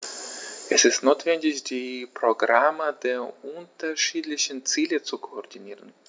Es ist notwendig, die Programme der unterschiedlichen Ziele zu koordinieren.